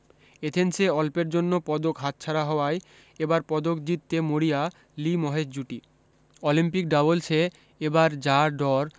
এথেন্সে অল্পের জন্য পদক হাতছাড়া হওয়ায় এবার পদক জিততে মরিয়া লি মহেশ জুটি অলিম্পিক ডাবলসে এবার যা ডর